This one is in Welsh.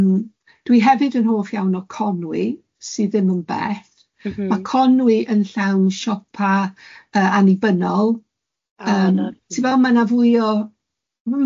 Yym dwi hefyd yn hoff iawn o Conwy, sydd ddim yn bell. M-hm. ma' Conwy yn llawn siopa yy annibynnol, yym ti'n gwybod ma' na fwy o... M-hm.